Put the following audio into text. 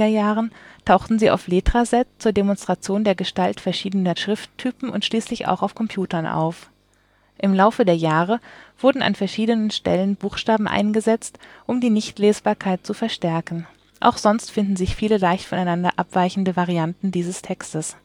Jahren tauchten sie auf Letraset zur Demonstration der Gestalt verschiedener Schrifttypen und schließlich auch auf Computern auf. Im Laufe der Jahre wurden an verschiedenen Stellen Buchstaben eingesetzt, um die Nicht-Lesbarkeit zu verstärken. Auch sonst finden sich viele leicht voneinander abweichende Varianten dieses Textes